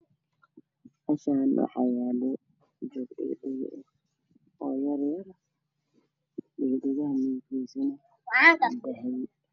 Meeshan waxaa yaalo laba dhogood oo daab ah kalarkooda yahay jaallo miis ay saareen